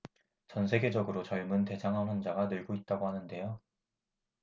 전 세계적으로 젊은 대장암 환자가 늘고 있다고 하는데요